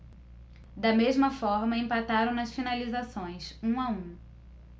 da mesma forma empataram nas finalizações um a um